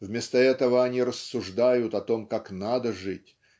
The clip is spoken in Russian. вместо этого они рассуждают о том как надо жить